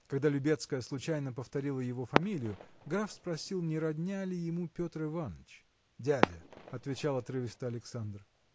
Когда Любецкая случайно повторила его фамилию граф спросил не родня ли ему Петр Иваныч. – Дядя! – отвечал отрывисто Александр.